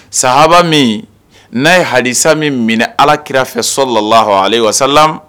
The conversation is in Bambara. Sahaba min n'a ye halisa min minɛ alaki kirara fɛ so la lah wasa